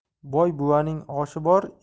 boy buvaning oshi bor